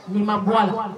Ni ma bɔ a la.